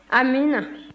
amiina